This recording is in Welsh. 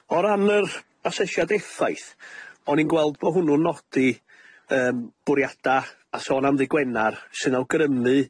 O ran yr asesiad effaith o'n i'n gweld bo' hwnnw'n nodi yym bwriada', a sôn am ddy' Gwenar, sy'n awgrymu